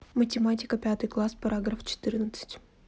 математика пятый класс параграф четырнадцать